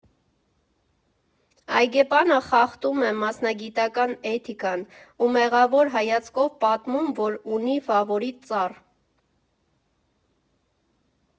Այգեպանը խախտում է մասնագիտական էթիկան ու մեղավոր հայացքով պատմում, որ ունի ֆավորիտ ծառ.